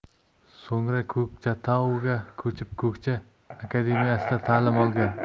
so'ngra ko'kchatauga ko'chib ko'kcha akademiyasida ta'lim olgan